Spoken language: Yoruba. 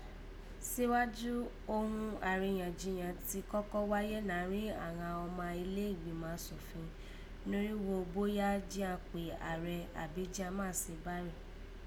Síwájú òghun àríyànjiyàn ti kọ́kọ́ wáyé nàárín àghan ọma ilé ìgbìmà asòfin norígho bóyá jí an ké kpè Ààrẹ àbí jí an máà se bárẹ̀